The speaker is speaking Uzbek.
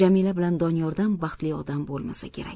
jamila bilan doniyordan baxtli odam bo'lmasa kerak